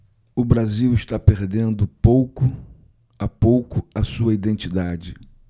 o brasil está perdendo pouco a pouco a sua identidade